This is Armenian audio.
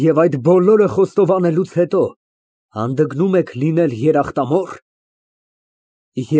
Եվ այդ բոլորը խոստովանելուց հետո հանդգնում եք լինել երեխտամո՞ռ։